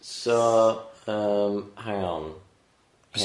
So yym hang on.